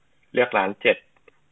เลือกร้านเจ็ด